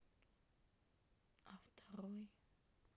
а второй